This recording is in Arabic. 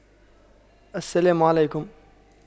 السلام عليكم